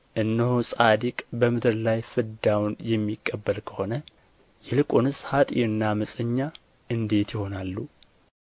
እነሆ ጻድቅ በምድር ላይ ፍዳውን የሚቀበል ከሆነ ይልቁንስ ኀጥእና ዓመፀኛ እንዴት ይሆናሉ